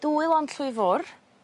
Dwy lond llwy fwr'.